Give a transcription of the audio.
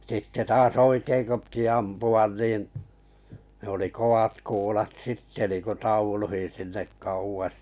sitten taas oikein kun piti ampua niin ne oli kovat kuulat sitten niin kuin tauluihin sinne kauas